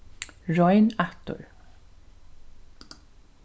royn aftur